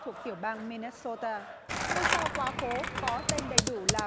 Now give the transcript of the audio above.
thuộc tiểu bang mi nớt xô tơ ngôi sao quá cố có tên đầy đủ là